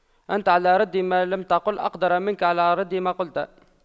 أنت على رد ما لم تقل أقدر منك على رد ما قلت